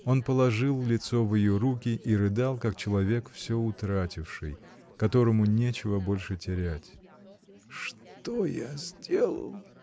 Он положил лицо в ее руки и рыдал как человек, всё утративший, которому нечего больше терять. — Что я сделал!